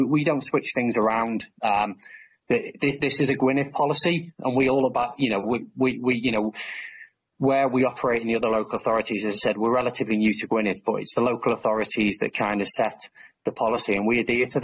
We we don't switch things around um this is a Gwynedd policy and we all about you know we we we you know where we operate in the other local authorities as I said we're relatively new to Gwynedd but it's the local authorities that kind of set the policy and we adhere to